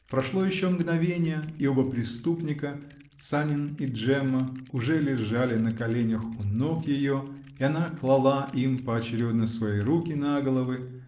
Прошло еще мгновенье -- и оба преступника, Санин и Джемма, уже лежали на коленях у ног ее, и она клала им поочередно свои руки на головы